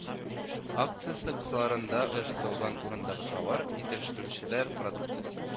Акциясе кысаларында оештырылган урындагы товар итештерүчеләр продукциясе